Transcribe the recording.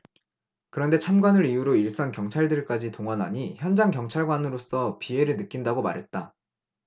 그런데 참관을 이유로 일선 경찰들까지 동원하니 현장 경찰관으로서 비애를 느낀다고 말했다